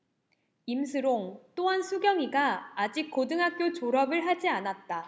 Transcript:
임슬옹 또한 수경이가 아직 고등학교 졸업을 하지 않았다